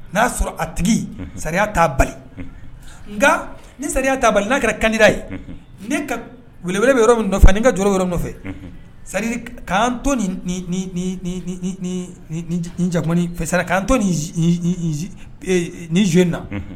N'a y'a sɔrɔ a tigi sariya t'a bali nka ni sariya'a bali n'a kɛra kandira ye ne kaelebele bɛ yɔrɔ min fɔ n' ka jɔ yɔrɔ nɔfɛ'an to ni ja fɛ'an to zoy na